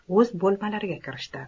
o'z bo'lmalariga kirishdi